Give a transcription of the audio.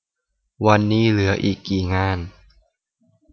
วันนี้เหลืออีกกี่งาน